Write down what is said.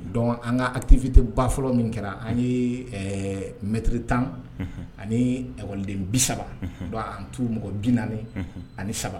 Don an ka atifite ba fɔlɔ min kɛra an ye mɛtiriri tan anikɔden bi saba don an mɔgɔ bi naani ani saba